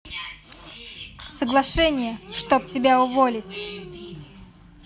соглашение чтоб тебя уволить